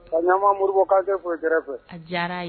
Ka ɲa n ma ka Modibo Kntɛ fo n ye.A diyara a ye.